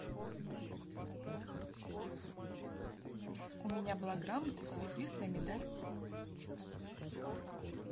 у меня была грамота и серебристая медаль